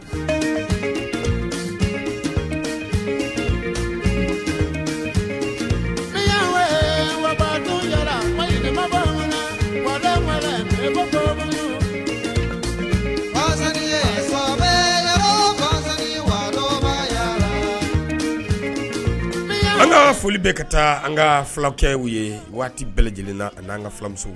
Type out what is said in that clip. An' foli bɛ ka taa an ka fulakɛw ye waati bɛɛ lajɛlenla ani'an ka filamuso